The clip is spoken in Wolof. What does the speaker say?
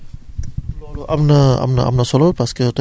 gàncax yépp a soxla phosphore